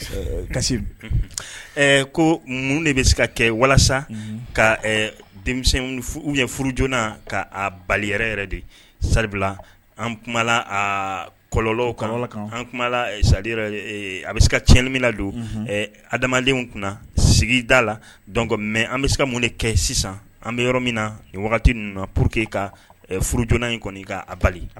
Kasi ko minnu de bɛ se ka kɛ walasa ka denmisɛn u ye furu joona kaa bali yɛrɛ yɛrɛ de sabila an tun kɔlɔ ka kan an sa a bɛ se ka tiɲɛnanimina na don adamadenw kunna sigida la dɔn mɛ an bɛ se ka mun de kɛ sisan an bɛ yɔrɔ min na nin wagati nana pur que ka furu joona in kɔni'a bali